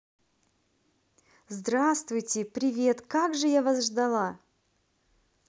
здравствуйте привет как же я вас ждала